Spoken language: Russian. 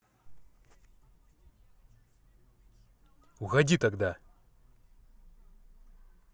уходи тогда